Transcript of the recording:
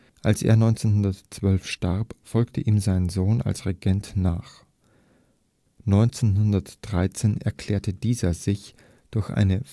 Als er 1912 starb, folgte ihm sein Sohn als Regent nach. 1913 erklärte dieser sich durch eine